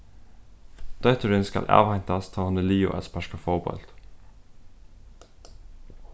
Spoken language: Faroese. dóttirin skal avheintast tá hon er liðug at sparka fótbólt